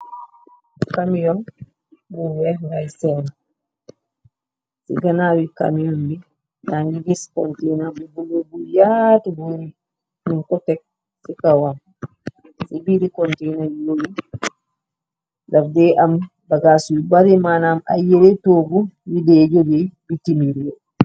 Kamiyun bu weex ngai sein si ganawi kamiyun bi yagi giss kontena bu jaatu nyun ko tek si kawam si birir kontena bi mongi daf dex am bagass yu bari manam ay togu yu dex gogex bitimreew.